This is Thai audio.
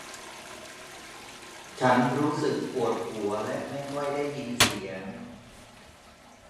ฉันรู้สึกปวดหัวและไม่ค่อยได้ยินเสียง